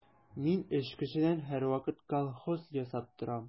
Мин өч кешедән һәрвакыт колхоз ясап торам.